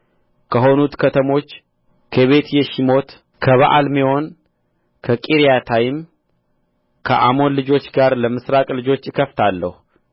ከሆኑት ከተሞቹ ከቤትየሺሞት ከበኣልሜዎን ከቂርያታይም ከአሞን ልጆች ጋር ለምሥራቅ ልጆች እከፍታለሁ